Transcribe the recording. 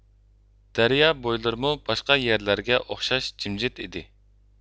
دەريا بويلىرىمۇ باشقا يەرلەرگە ئوخشاش جىمجىت ئىدى